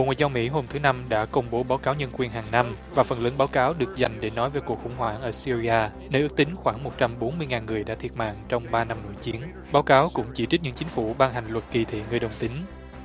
ngoại giao mỹ hôm thứ năm đã công bố báo cáo nhân quyền hằng năm và phần lớn báo cáo được dành để nói về cuộc khủng hoảng ở si ri a nếu ước tính khoảng một trăm bốn mươi ngàn người đã thiệt mạng trong ba năm chín báo cáo cũng chỉ trích những chính phủ ban hành luật kỳ thị người đồng tính